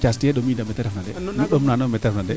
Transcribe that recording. mais Mathiase tiye ɗominda meete refna de nu ndom naan mete refna de